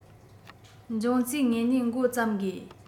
འབྱུང རྩའི ངོས ནས འགོ བརྩམ དགོས